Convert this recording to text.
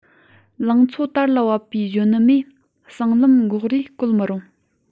ལང ཚོ དར ལ བབས པའི གཞོན ནུ མས གསང ལམ འགོག རས བཀོལ མི རུང